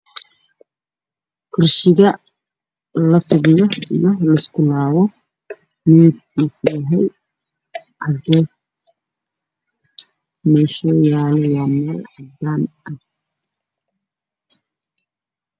Waa kursi midabkiisu yahay caddaan